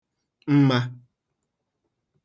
mmā